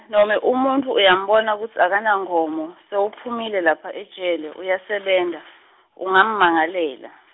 nome umuntfu uyambona kutsi akanankhomo, sewuphumile lapha ejele uyasebenta, ungammangalela.